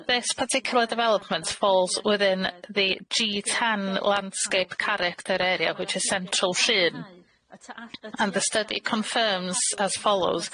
This particular development falls within the Gee Tan landscape character area, which is central LLyn, and the study confirms as follows.